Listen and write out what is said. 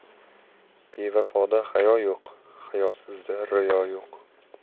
bevafoda hayo yo'q hayosizda riyo yo'q